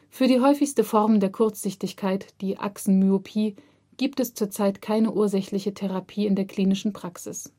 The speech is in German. Für die häufigste Form der Kurzsichtigkeit, die Achsenmyopie, gibt es zurzeit keine ursächliche Therapie in der klinischen Praxis